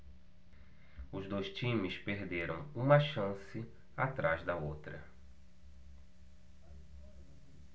os dois times perderam uma chance atrás da outra